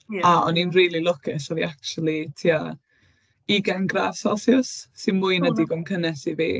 O! O'n i'n rili lwcus. Oedd hi acshyli tua ugain gradd Celsius sy'n... O ie ...mwy na digon cynnes i fi.